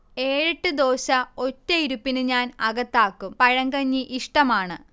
ഏഴെട്ട് ദോശ ഒറ്റയിരുപ്പിന് ഞാൻ അകത്താക്കും, പഴങ്കഞ്ഞി ഇഷ്ടമാണ്